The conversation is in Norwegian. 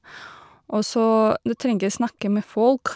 Og så du trenger snakke med folk.